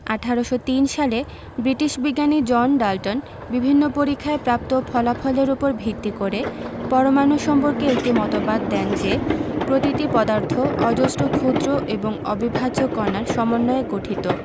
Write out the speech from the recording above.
১৮০৩ সালে ব্রিটিশ বিজ্ঞানী John Dalton বিভিন্ন পরীক্ষায় প্রাপ্ত ফলাফলের উপর ভিত্তি করে পরমাণু সম্পর্কে একটি মতবাদ দেন যে প্রতিটি পদার্থ অজস্র ক্ষুদ্র এবং অবিভাজ্য কণার সমন্বয়ে গঠিত